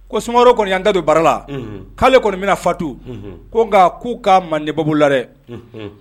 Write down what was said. Ko sumaworo kɔnni y'an da don bara la; Unhun ;. K'ale kɔnni bɛna fatu; Unhun ; Ko nka k'u ka Mande bɔ bolo la dɛ; Unhun.